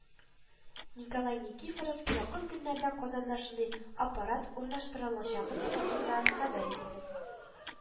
Николай Никифоров якын көннәрдә Казанда шундый аппарат урнаштырылачагы хакында хәбәр итте